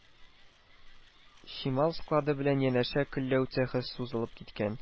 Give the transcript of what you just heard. Чимал склады белән янәшә көлләү цехы сузылып киткән